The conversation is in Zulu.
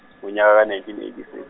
ngonyaka nineteen eighty si-.